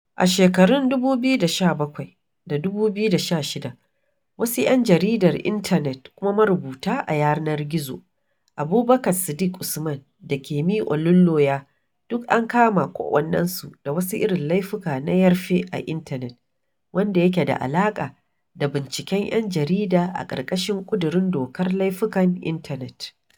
A shekarun 2017 da 2016, wasu 'yan jaridar intanet kuma marubuta a yanar gizo, Abubakar Sidiƙ Usman da Kemi Olunloyo duk an kama kowannensu da wasu irin laifuka na yarfe a intanet wanda yake da alaƙa da binciken 'yan jarida a ƙarƙashin ƙudurin dokar laifukan intanet.